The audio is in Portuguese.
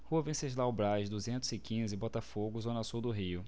rua venceslau braz duzentos e quinze botafogo zona sul do rio